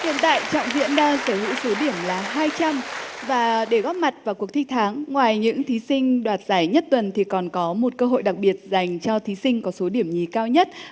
hiện đại trọng viễn đang sở hữu số điểm là hai trăm và để góp mặt vào cuộc thi tháng ngoài những thí sinh đoạt giải nhất tuần thì còn có một cơ hội đặc biệt dành cho thí sinh có số điểm nhì cao nhất